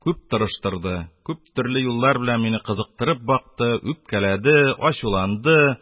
Күп тырыштырды, күп төрле юллар белән мине кызыктырып бакты, үпкәләде, ачуланды